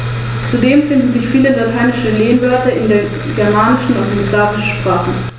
Dies betrifft in gleicher Weise den Rhöner Weideochsen, der auch als Rhöner Biosphärenrind bezeichnet wird.